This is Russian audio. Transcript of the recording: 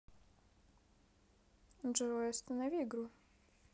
джой останови игру